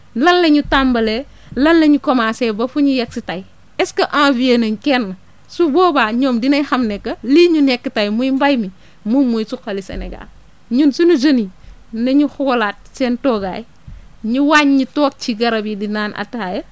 lan la ñu tàmbalee lan la ñu commencé ba fu ñu yegg si tey est ce que anvier nañ kenn su boobaa ñoom dinañ xam ne que lii ñu nekk tey muy mbéy mi moom mooy suqali Sénégal ñun suñu jeune yi nañu xoolaat seen toogaay ñu wàññi toog ci garab yi di naan ataaya